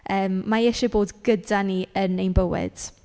Yym mae e isie bod gyda ni yn ein bywyd.